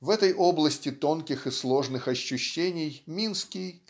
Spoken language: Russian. В этой области тонких и сложных ощущений Минский